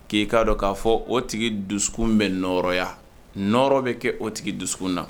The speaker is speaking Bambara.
K'i k'a dɔn k'a fɔ o tigi dusu bɛ n nɔɔrɔya nɔrɔ bɛ kɛ o tigi dusu na